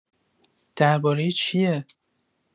درباره چیه؟